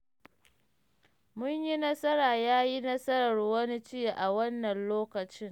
Mun yi nasara ya yi nasarar wani ci a wannan lokacin.”